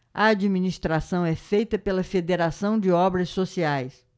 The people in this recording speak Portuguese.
a administração é feita pela fos federação de obras sociais